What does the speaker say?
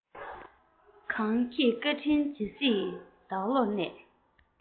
གང ཁྱེད བཀའ དྲིན ཇི སྲིད བདག བློར གནས